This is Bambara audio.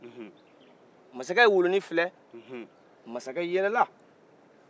masakɛ ye wulunin filɛ masakɛ yɛlɛla